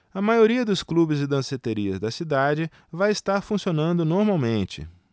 a maioria dos clubes e danceterias da cidade vai estar funcionando normalmente